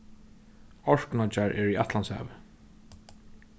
orknoyggjar eru í atlantshavi